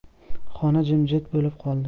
xona jimjit bo'lib qoldi